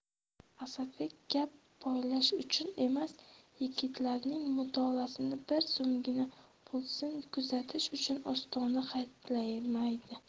asadbek gap poylash uchun emas yigitlarning mutolaasini bir zumgina bo'lsin kuzatish uchun ostona hatlamadi